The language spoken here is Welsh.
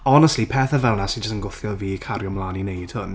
Honestly, pethau fel 'na sydd jyst yn gwthio fi i cario ymlaen i wneud hwn.